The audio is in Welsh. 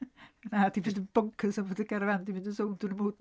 Fy mab 'di mynd yn bonkers am fod y garafan 'di mynd yn sownd yn y mwd.